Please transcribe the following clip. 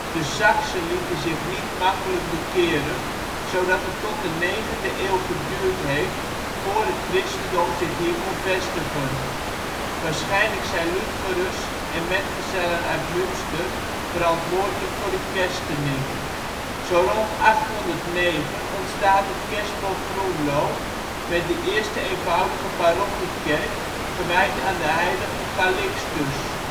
De Saksen lieten zich niet makkelijk bekeren, zodat het tot de 9e eeuw geduurt heeft voor het Christendom zich hier kon vestigen. Waarschijnlijk zijn Ludgerus en metgezellen uit Münster verantwoordelijk voor de kerstening. Zo rond 809 ontstaat het kerspel Groenlo, met de eerste eenvoudige parochiekerk gewijd aan de heilige Calixtus